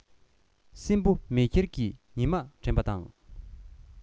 སྲིན བུ མེ ཁྱེར གྱིས ཉི མར འགྲན པ དང